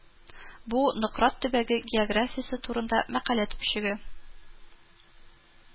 Бу Нократ төбәге географиясе турында мәкалә төпчеге